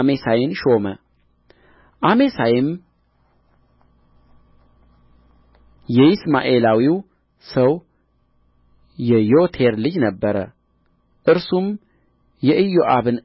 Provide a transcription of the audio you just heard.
አሜሳይን ሾመ አሜሳይም የይስማኤላዊ ሰው የዬቴር ልጅ ነበረ እርሱም የኢዮአብን